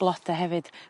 blode hefyd